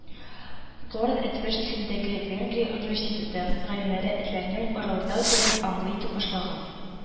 Лоран Этвеш исемендәге Венгрия университеты галимнәре этләрнең ырылдау телен аңлый итеп башлаган